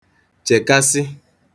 chèkasị